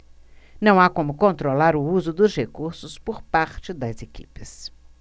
não há como controlar o uso dos recursos por parte das equipes